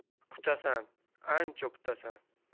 kutasan ancho kutasan